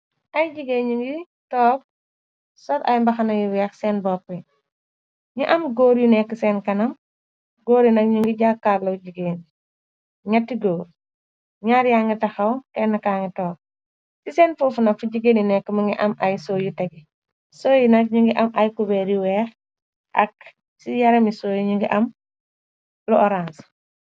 Ay jigée ñu ngi tog sol ay mbaxana yu weex seen boppi ñi am góor yu nekk seen kanam góori nak ñu ngi jàkkaarloo jigéen i ñyatti góor ñyaar ya ngi taxaw kenn kaa ngi toop ci seen foofu nok fi jigéen yi nekk ma ngi am ay soo yu tegi sooyi nak ñu ngi am ay kubeer yi weex ak ci yarami sooy ñi ngi am lu orange